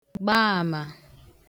gbaamā